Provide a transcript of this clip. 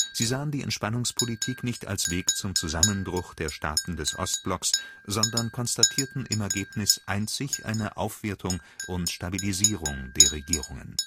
Sie sahen die Entspannungspolitik nicht als Weg zum Zusammenbruch der Staaten des Ostblocks, sondern konstatierten im Ergebnis einzig eine Aufwertung und Stabilisierung der Regierungen